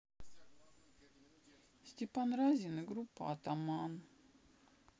степан разин и группа атаман